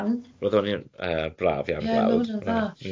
roedd hynny'n- yy braf iawn gweld mm hmm